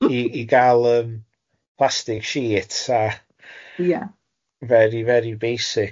I i gael yym plastic sheets a... Ia. ...very very basic.